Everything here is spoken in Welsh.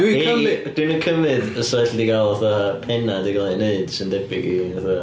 Dwi'n cymry... Dwi'm yn cymryd fysa elli di gael fatha pennau 'di cael ei wneud sy'n debyg i fatha...